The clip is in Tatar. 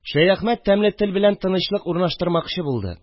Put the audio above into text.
Шәяхмәт тәмле тел белән тынычлык урнаштырмакчы булды